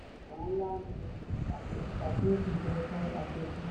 Ọ̀ràn ńlá ni ìṣàkíyèsí jẹ́ fún àwọn aṣèpinnu.